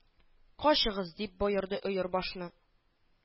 — качыгыз! — дип боерды өербашны